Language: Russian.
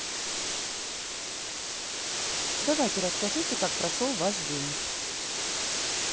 давайте расскажите как прошел ваш день